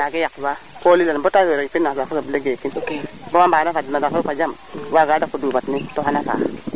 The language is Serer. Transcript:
xa a nange yaq wa ko lilan bata weer o yipin naxa saaqu soble geekin bo mbana fad na ndax roog fa jam waga dako dufa tinin to xana faax